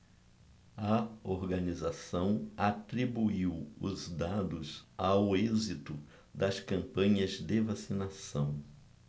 a organização atribuiu os dados ao êxito das campanhas de vacinação